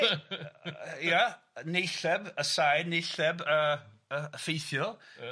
Yy ia neilleb yy sain neilleb yy yy effeithiol ia.